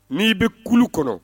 Ni bɛ kulu kɔnɔ